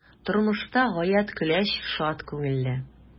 Тормышта гаять көләч, шат күңелле.